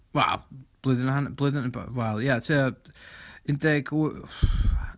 Wel blwyddyn a hanner blw- wel ia, tua un deg wyth,